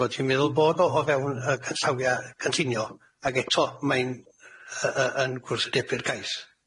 bod hi'n meddwl bod o o fewn yy canllawlia' cynllunio ag eto mae'n yy yn gwrthwynebu'r cais.